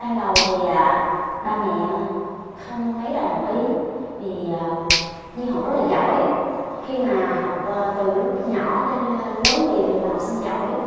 ban đầu thì à ba mẹ không mấy là đồng ý vì à nhi học rất là giỏi khi mà học ờ từ lúc nhỏ tới lớn thì đều là học sinh giỏi